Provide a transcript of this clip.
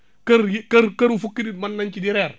kër yi kër këru fukki nit mën nañ ci di reer